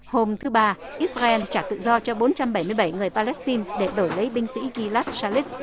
hôm thứ ba i sa ren trả tự do cho bốn trăm bảy mươi bảy người pa lét tin để đổi lấy binh sĩ i lát sa ríc